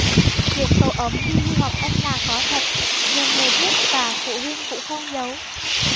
chuyện cậu ấm đi du học anh là có thật nhiều người biết và phụ huynh cũng không giấu